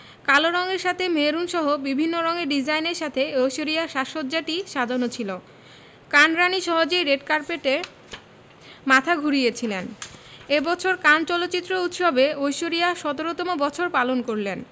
কালো রঙের সাথে মেরুনসহ বিভিন্ন রঙের ডিজাইনের সাথে ঐশ্বরিয়ার সাজ সজ্জাটি সাজানো ছিল কান রাণী সহজেই রেড কার্পেটে মাথা ঘুরিয়েছিলেন এ বছর কান চলচ্চিত্র উৎসবে ঐশ্বরিয়া ১৭তম বছর পালন করলেন